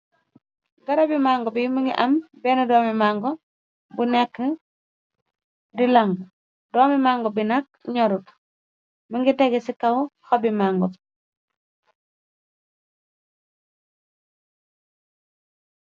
Garabi màngo bi mungi am benn doomi mango bu nekk di lang, doomi màngo bi nakk ñorut, mi ngi tegé ci kaw xabi manga.